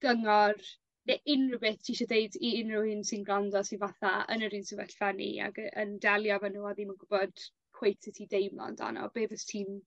gyngor ne' unryw beth ti isie deud i unryw un sy'n gwrando sy fatha yn yr un sefyllfa â 'ny ag yy yn delio efo n'w a ddim yn gwbod cweit sut i deimlo amdano be' fyse ti'n